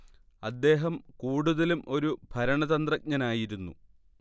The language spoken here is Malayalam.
അദ്ദേഹം കൂടുതലും ഒരു ഭരണതന്ത്രജ്ഞനായിരുന്നു